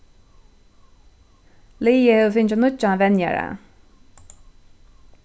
liðið hevur fingið nýggjan venjara